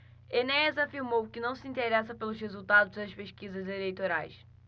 enéas afirmou que não se interessa pelos resultados das pesquisas eleitorais